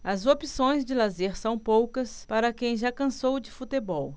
as opções de lazer são poucas para quem já cansou de futebol